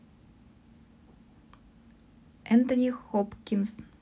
энтони хопкинс